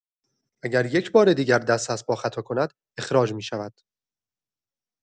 اگر یک‌بار دیگر دست از پا خطا کند، اخراج می‌شود.